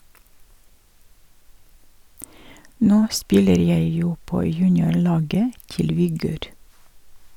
- Nå spiller jeg jo på juniorlaget til Vigør.